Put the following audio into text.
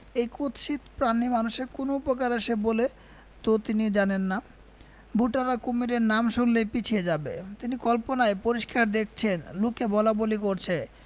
এই কুৎসিত প্রাণী মানুষের কোন উপকারে আসে বলে তো তিনি জানেন না ভোটাররা কুমীরের নাম শুনলেই পিছিয়ে যাবে তিনি কল্পনায় পরিষ্কার দেখছেন লোকে বলাবলি করছে